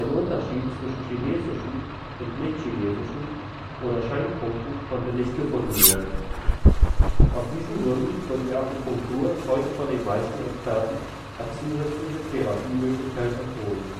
Unterschied zwischen chinesischen und nichtchinesischen oder Scheinpunkten konnte nicht gefunden werden. Aus diesen Gründen wird die Akupunktur heute von den meisten Experten als zusätzliche Therapiemöglichkeit empfohlen